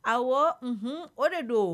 Awɔ, unhun, o de don.